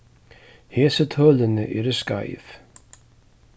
hesi tølini eru skeiv